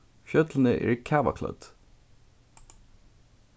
fjøllini eru kavaklødd